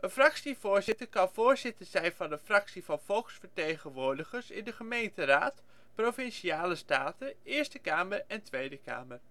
fractievoorzitter kan voorzitter zijn van een fractie van volksvertegenwoordigers in de gemeenteraad, provinciale staten, Eerste Kamer en Tweede Kamer